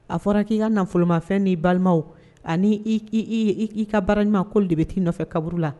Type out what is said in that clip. A fɔra k'i ka nafolomafɛn ni balimaw ani' i ka baara ɲumankolon de bɛ t'i nɔfɛ kaburu la